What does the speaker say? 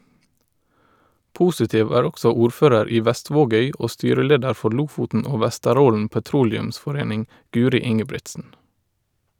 Positiv er også ordfører i Vestvågøy og styreleder for Lofoten og Vesterålen Petroleumsforening , Guri Ingebrigtsen.